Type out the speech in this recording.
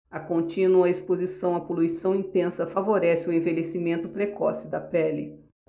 a contínua exposição à poluição intensa favorece o envelhecimento precoce da pele